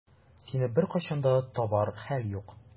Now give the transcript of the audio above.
Сине беркайчан да табар хәл юк.